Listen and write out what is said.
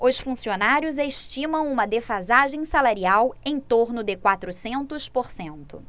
os funcionários estimam uma defasagem salarial em torno de quatrocentos por cento